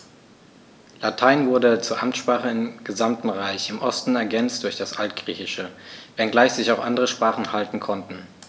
Latein wurde zur Amtssprache im gesamten Reich (im Osten ergänzt durch das Altgriechische), wenngleich sich auch andere Sprachen halten konnten.